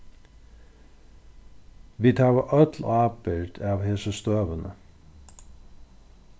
vit hava øll ábyrgd av hesi støðuni